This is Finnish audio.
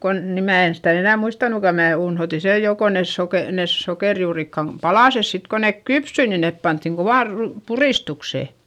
kun niin minä en sitä enää muistanutkaan minä unohdin sen jo kun ne - ne sokerijuurikkaan palaset sitten kun ne kypsyi niin ne pantiin kovaan - puristukseen